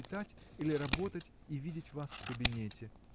читать или работать и видеть вас в кабинете.